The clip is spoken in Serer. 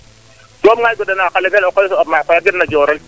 so im ngaay goda naaxale koy soɓ ma o qoxe gena Diorale